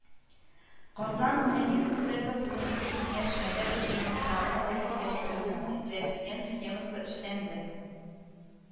Казан мэриясендәге бүгенге киңәшмәдә документларны рәсмиләштерүнең тизләтелгән схемасы эшләнде